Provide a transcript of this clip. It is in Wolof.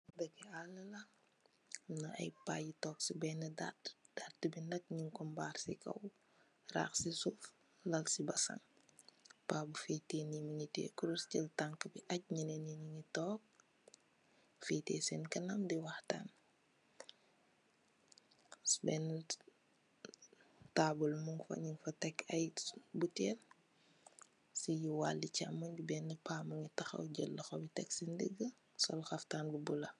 Dakki allë la, paa yi ñu ngi toog si dattë, dattë ji nak, ñung ko mbaar si kow, raax si suuf, lal si bassang. Paa bi, feete ni, mu ngi tiyee kurus jël tangka bi ajj, ñenen ñii ñu ngi toog di waxtaan, bennë taabul muñg fa,..ay butel, si waalu chaamoy,